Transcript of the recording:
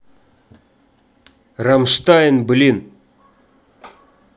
rammstein блин